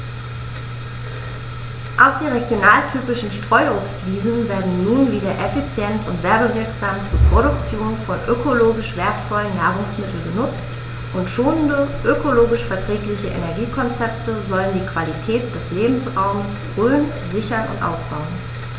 Auch die regionaltypischen Streuobstwiesen werden nun wieder effizient und werbewirksam zur Produktion von ökologisch wertvollen Nahrungsmitteln genutzt, und schonende, ökologisch verträgliche Energiekonzepte sollen die Qualität des Lebensraumes Rhön sichern und ausbauen.